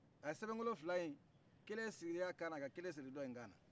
a ye sebenkolo fila in kelen siri kan na ka kelen siri yin kan na